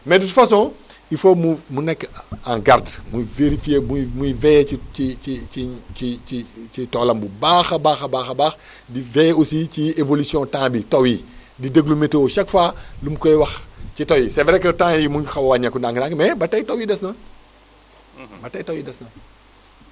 mais de toute façon il faut mu mu nekk en garde muy vérifié muy muy veillé ci ci ci ci ci ci ci toolam bu baax a baax a baax a baax di veillé aussi ci évolution temps bi taw yi di déglu météo chaque fois lu mu koy wax ci taw yi c' est vrai que temps yii mu ngi xaw a wàññeeku ndànk-ndànk mais ba tey taw yi des na ba tey taw yi des na